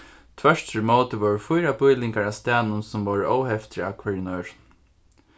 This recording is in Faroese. tvørturímóti vóru fýra býlingar á staðnum sum vóru óheftir av hvørjum øðrum